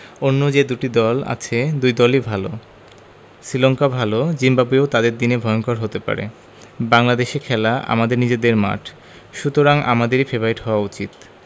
অন্য যে দুটি দল আছে দুই দলই ভালো শ্রীলঙ্কা ভালো জিম্বাবুয়েও তাদের দিনে ভয়ংকর হতে পারে বাংলাদেশে খেলা আমাদের নিজেদের মাঠ সুতরাং আমাদেরই ফেবারিট হওয়া উচিত